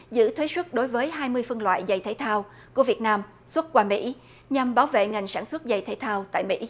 giữ thuế suất đối với hai mươi phân loại giày thể thao của việt nam xuất qua mỹ nhằm bảo vệ ngành sản xuất giày thể thao tại mỹ